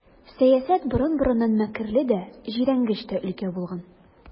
Сәясәт борын-борыннан мәкерле дә, җирәнгеч тә өлкә булган.